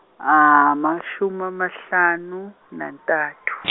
emashumi mahlanu nakutsatfu.